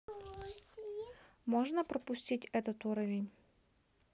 можно пропустить этот уровень